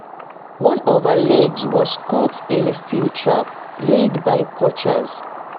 One of her legs was caught in a steel trap laid by poachers.